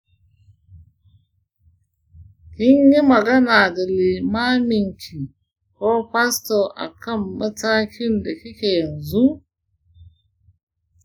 kinyi magana da limaminki ko pastor akan matakin da kike yanzu?